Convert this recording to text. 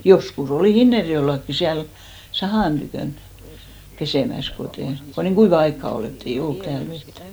joskus oli Hinnerjoellakin siellä sahan tykönä pesemässä kun ei kun niin kuivaa aikaa oli että ei ollut täällä vettä